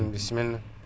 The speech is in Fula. bissimila